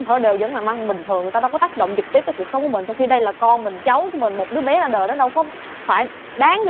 thở đều dẫn làm ăn bình thường người ta đâu có tác động trực tiếp tới cuộc sống của mình trong khi đây là con mình cháu của mình một đứa bé ra đời nó đâu có phải đáng để